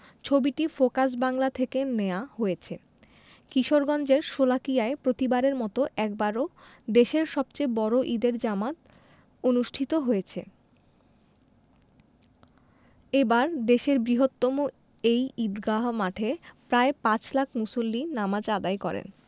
ছবিটি ফোকাস বাংলা থেকে নেয়া হয়েছে কিশোরগঞ্জের শোলাকিয়ায় প্রতিবারের মতো একবারও দেশের সবচেয়ে বড় ঈদের জামাত অনুষ্ঠিত হয়েছে এবার দেশের বৃহত্তম এই ঈদগাহ মাঠে প্রায় পাঁচ লাখ মুসল্লি নামাজ আদায় করেন